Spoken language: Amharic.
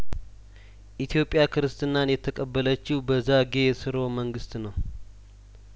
ኢትዮጵያ ክርስትናን የተቀበለችው በዛጔ ስርወ መንግስት ነው